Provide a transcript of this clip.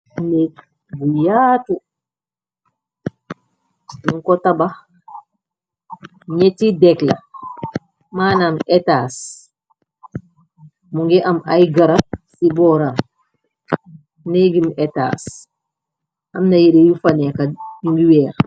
Nek bu yaatu nu ko tabax ñyetti dekk la maanam etas mu ngi am ay garab ci booram negimi etas am na yeree yu faneeka yu ngi weex.